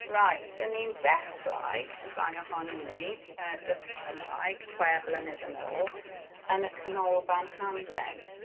Right dan ni'n dechrau, y dau ohonyn ni, yy dysgu Cymraeg, chwe blynedd yn ôl yn y Canolfan Hamdden.